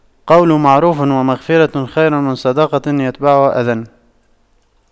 قَولٌ مَّعرُوفٌ وَمَغفِرَةُ خَيرٌ مِّن صَدَقَةٍ يَتبَعُهَا أَذًى